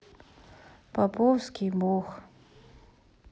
поповский бог